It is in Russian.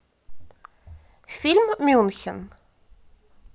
фильм мюнхен